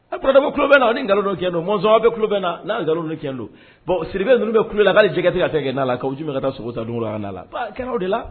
A kɔrɔdabu kubɛnna ni nkalonlo don kɛ don mɔnzɔn bɛ kubɛnna n'alo ni cɛn don bon siri ninnu bɛ kulola a'ajɛti ka tɛ kɛ'a la ka ma ka taa sogota' la kɛnɛ o de la